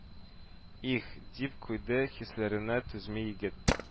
Их, дип куйды хисләренә түзми егет